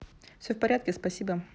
все в порядке спасибо